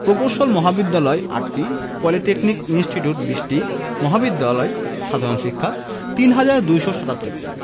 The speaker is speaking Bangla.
প্রকৌশল মহাবিদ্যালয় ৮টি পলিটেকনিক ইনস্টিটিউট ২০টি মহাবিদ্যালয় সাধারণ শিক্ষা ৩হাজার ২৭৭টি